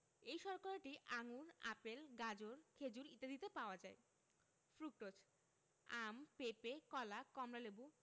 এই শর্করাটি আঙুর আপেল গাজর খেজুর ইত্যাদিতে পাওয়া যায় ফ্রুকটোজ আম পেপে কলা কমলালেবু